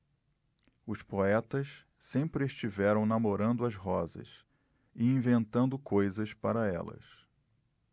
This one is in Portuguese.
os poetas sempre estiveram namorando as rosas e inventando coisas para elas